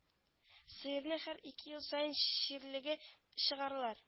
Сыерны һәр ике ел саен чирлегә чыгаралар